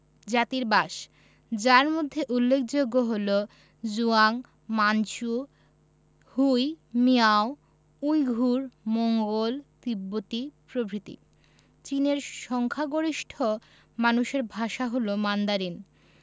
জাতির বাস যার মধ্যে উল্লেখযোগ্য হলো Zhuang Manchu Hui Miao Uyghur Mongol তিব্বতি প্রভৃতি চীনের সংখ্যাগরিষ্ঠ মানুষের ভাষা হলো মান্দারিন